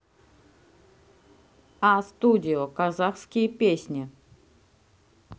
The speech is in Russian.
a'studio казахские песни